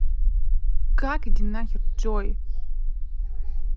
как иди нахер джой